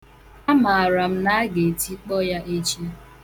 Amara m na a ga-etikpọ ya echi.